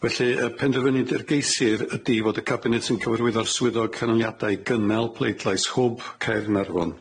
Felly y penderfyniad a geisir ydi fod y cabinet yn cyfarwyddo y swyddog canlyniadau i gynnal pleidlais hwb Caernarfon.